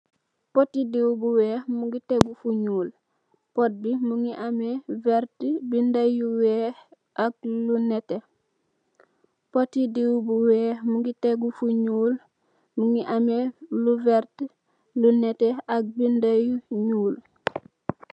Pôtti diw bu wèèx mugii tégu fu ñuul pot bi mugii ameh lu werta, binda yu wèèx ak yu netteh.